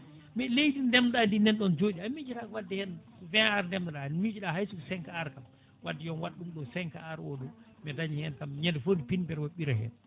mais leydi ndi ndemanno ɗa ndi nanɗon jooɗi a miijotako wadde hen vingt ar * miijoɗa hayso ko cinq ar kam wadde yoomi waat ɗum ɗo cinq fra ar o ɗo mi daña hen kam ñande foof nde pinmi mbiɗa ɓiira hen